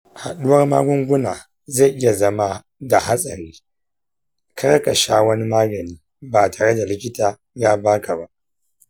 haɗuwar magunguna zai iya zama da hatsari, kar ka sha wani magani ba tare da likita ya baka ba.